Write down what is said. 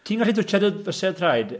Ti'n gallu twtshiad dy fysedd traed?